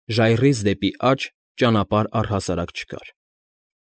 Ժայռից դեպի աջ ճանապարհ առհասարակ չկար։